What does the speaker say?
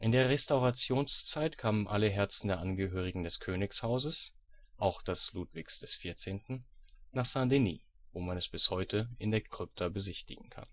der Restaurationszeit kamen alle Herzen der Angehörigen des Königshauses, auch das Ludwigs XIV., nach St. Denis, wo man es bis heute in der Krypta besichtigen kann